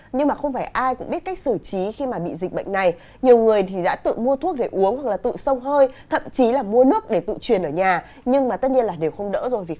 nhưng mà không phải ai cũng biết cách xử trí khi mà bị dịch bệnh này nhiều người thì đã tự mua thuốc để uống hoặc là tự xông hơi thậm chí là mua nước để tự truyền ở nhà nhưng mà tất nhiên là đều không đỡ rồi vì